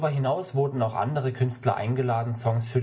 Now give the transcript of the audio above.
hinaus wurden auch andere Künstler eingeladen, Songs